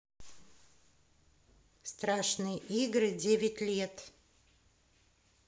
страшные игры девять лет